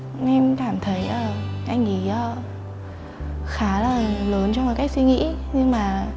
em cảm thấy à anh ấy khá là lớn trong cái cách suy nghĩ nhưng mà